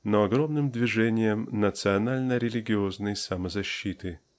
но огромным движением национально-религиозной самозащиты.